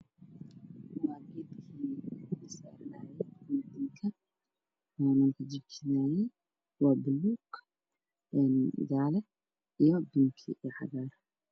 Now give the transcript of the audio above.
Waa nin wata dhar dharka waxay ka kooban yihiin baluug yaa loo cagaar iyo orange